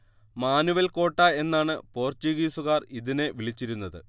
manual കോട്ട എന്നാണ് പോർച്ചുഗീസുകാർ ഇതിനെ വിളിച്ചിരുന്നത്